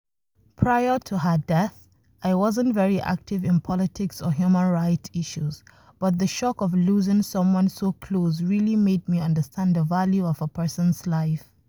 Prior to her death, I wasn't very active in politics or human rights issues, but the shock of losing someone so close really made me understand the value of a person's life.